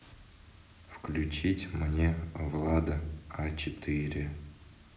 включить мне влада а четыре